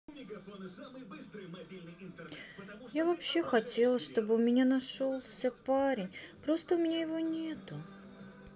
я вообще хотела чтобы у меня нашелся парень просто у меня его нету